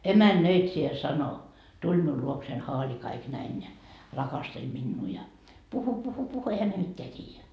emännöitsijä sanoi tuli minun luokseni haali kaikki näin ja rakasteli minua ja puhui puhui puhui eihän ne mitään tiedä